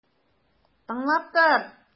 Тыңлап тор!